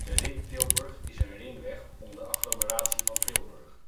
Ring Tilburg is een ringweg om de agglomeratie van Tilburg